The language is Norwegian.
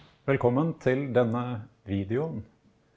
velkommen til denne videoen.